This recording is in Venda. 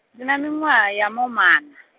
ndi na miṅwaha ya mahumaṋa- .